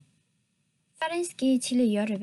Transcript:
ཧྥ རན སིའི སྐད ཡིག ཆེད ལས ཡོད རེད པས